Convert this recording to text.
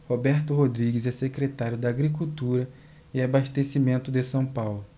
roberto rodrigues é secretário da agricultura e abastecimento de são paulo